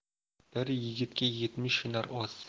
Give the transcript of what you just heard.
bir yigitga yetmish hunar oz